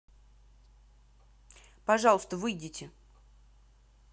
пожалуйста выйдите